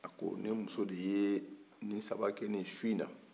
a ko ne muso de ye ni saba kɛ ne ye su in na